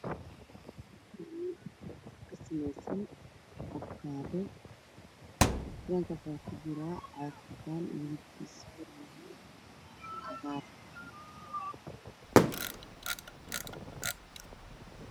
Waa kareen ka sameysan afkaadho waxa uu ku jiraa caagad cadaan furka cagaar miis ayuu saaran yahay